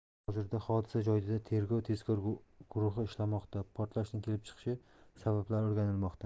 hozirda hodisa joyida tergov tezkor guruhi ishlamoqda portlashning kelib chiqish sabablari o'rganilmoqda